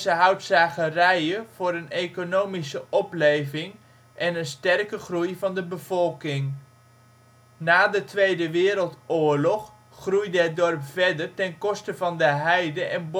houtzagerijen voor een economische opleving en een sterke groei van de bevolking. Na de Tweede Wereldoorlog groeide het dorp verder ten koste van de heide en bosgebieden